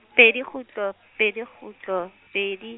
pedi kgutlo, pedi kgutlo, pedi.